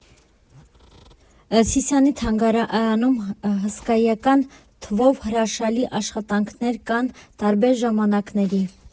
Սիսիանի թանգարանում հսկայական թվով հրաշալի աշխատանքներ կան՝ տարբեր ժամանակների։